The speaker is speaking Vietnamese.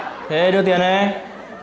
thế đưa tiền đê